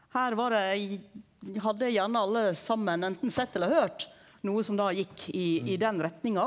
her var det hadde gjerne alle saman anten sett eller høyrt noko som da gjekk i i den retninga.